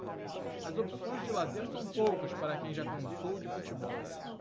as opções de lazer são poucas para quem já cansou de futebol